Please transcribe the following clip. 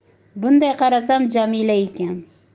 bunday qarasam jamila ekan